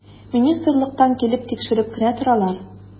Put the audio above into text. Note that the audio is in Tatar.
Министрлыктан килеп тикшереп кенә торалар.